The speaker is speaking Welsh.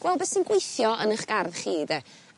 Gweld be' sy'n gweithio yn 'ych gardd chi 'de?